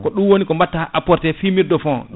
ko ɗum ko batta apporté fumerie de fond